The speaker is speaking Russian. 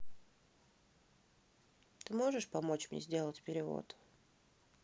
ты можешь помочь мне сделать перевод